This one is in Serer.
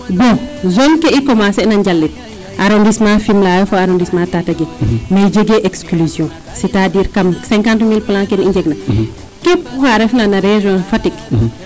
bon zone ke i commencer na njalik arrondissement Fimela yo fo Arrondissemnt Tataguine mais jegee exclusion c' est a dire kam cinquante mille plan keene i njeg na keep axa refna no region Fatick